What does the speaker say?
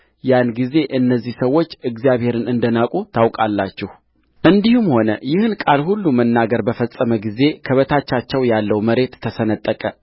ያን ጊዜ እነዚህ ሰዎች እግዚአብሔርን እንደ ናቁ ታውቃላችሁእንዲህም ሆነ ይህን ቃል ሁሉ መናገር በፈጸመ ጊዜ ከበታቻቸው ያለው መሬት ተሰነጠቀ